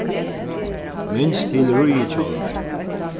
minst til ríðihjálmin